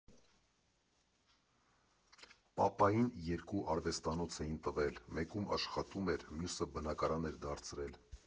Պապային երկու արվեստանոց էին տվել, մեկում աշխատում էր, մյուսը բնակարան էր դարձրել։